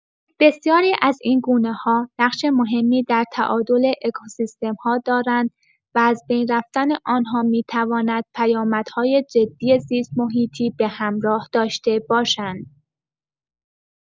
بسیاری از این گونه‌ها نقش مهمی در تعادل اکوسیستم‌ها دارند و از بین رفتن آن‌ها می‌تواند پیامدهای جدی زیست‌محیطی به همراه داشته باشد.